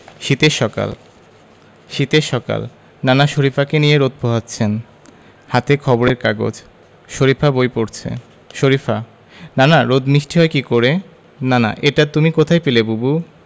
শীতের সকাল শীতের সকাল নানা শরিফাকে নিয়ে রোদ পোহাচ্ছেন হাতে খবরের কাগজ শরিফা বই পড়ছে শরিফা নানা রোদ মিষ্টি হয় কী করে নানা এটা তুমি কোথায় পেলে বুবু